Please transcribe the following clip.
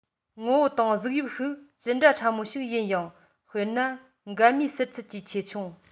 ངོ བོ དང གཟུགས དབྱིབས ཤིག ཅི འདྲ ཕྲ མོ ཞིག ཡིན ཡང དཔེར ན མགལ མའི ཟུར ཚད ཀྱི ཆེ ཆུང